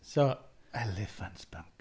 So, elephant spunk.